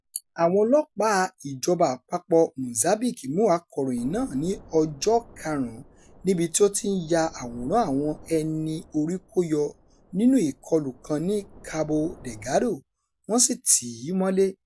Àwọn ọlọ́pàá ìjọba àpapọ̀ Mozambique mú akọ̀ròyìn náà ní ọjọ́ 5 níbi tí ó ti ń ya àwòrán àwọn ẹni-orí-kó-yọ nínú ìkọlù kan ní Cabo Delgado, wọ́n sì tì í mọ́lé.